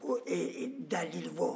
dalilubɔ